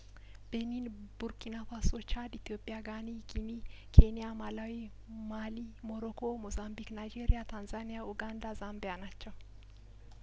ቤኒን ቡርኪናፋሶ ቻድ ኢትዮጵያጋኒ ጊኒ ኬንያማላዊ ማ ሊሞሮኮ ሞዛምቢክ ናይጄሪያ ታንዛኒያ ኡጋንዳ ዛምቢያ ናቸው